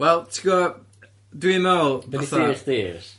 Wel ti'n gwo dwi'n me'wl fatha... Be' 'di theori chdi?